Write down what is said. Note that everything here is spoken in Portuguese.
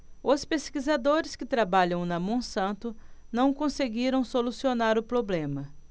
os pesquisadores que trabalham na monsanto não conseguiram solucionar o problema